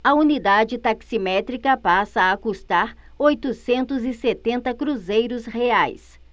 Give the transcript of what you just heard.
a unidade taximétrica passa a custar oitocentos e setenta cruzeiros reais